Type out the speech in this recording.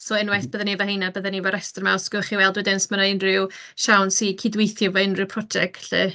so unwaith bydden ni efo rheina byddwn ni efo heina bydden ni efo rhestr so gewch chi weld wedyn os ma' 'na unryw siawns i cydweithio efo unryw prosiect 'lly